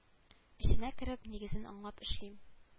Эченә кереп нигезен аңлап эшлим